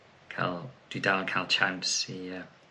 ca'l... Dwi dal yn ca'l tsiawns i yy